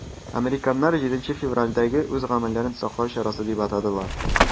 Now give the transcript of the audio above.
Американнар 7 февральдәге үз гамәлләрен саклану чарасы дип атадылар.